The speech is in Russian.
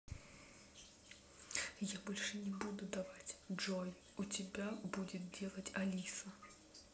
я больше не буду давать джой у тебя будет делать алиса